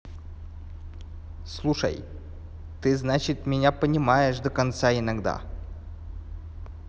слушай ты значит меня понимаешь до конца иногда